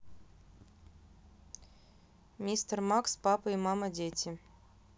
мистер макс папа и мама дети